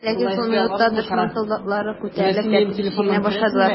Ләкин шул минутта дошман солдатлары күтәрелеп, тәртипсез чигенә башладылар.